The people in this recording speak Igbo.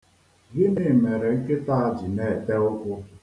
Gịnị mere nkịta a ji na-ete ụkwụ?